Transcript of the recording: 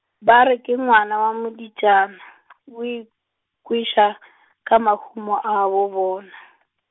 ba re ke ngwana wa modiitšana , o ikweša , ka mahumo a bobona .